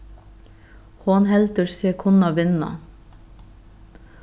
hon heldur seg kunna vinna